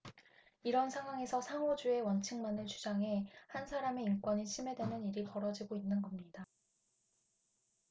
이런 상황에서 상호주의 원칙만을 주장해 한 사람의 인권이 침해되는 일이 벌어지고 있는 겁니다